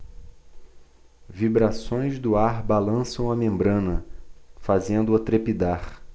vibrações do ar balançam a membrana fazendo-a trepidar